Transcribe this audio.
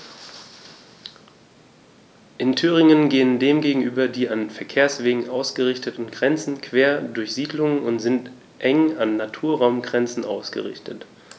In Thüringen gehen dem gegenüber die an Verkehrswegen ausgerichteten Grenzen quer durch Siedlungen und sind eng an Naturraumgrenzen ausgerichtet.